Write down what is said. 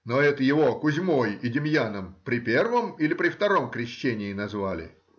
— Но это его Кузьмой и Демьяном при первом или при втором крещении назвали?